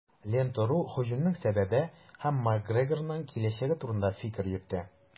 "лента.ру" һөҗүмнең сәбәбе һәм макгрегорның киләчәге турында фикер йөртә.